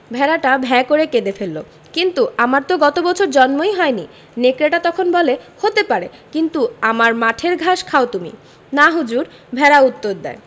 ভেড়াটা ভ্যাঁ করে কেঁদে ফেলল কিন্তু আমার তো গত বছর জন্মই হয়নি নেকড়েটা তখন বলে হতে পারে কিন্তু আমার মাঠের ঘাস খাও তুমি না হুজুর ভেড়া উত্তর দেয়